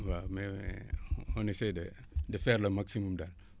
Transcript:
waaw de faire le maximum daal